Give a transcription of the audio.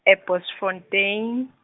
e- Boschfontein.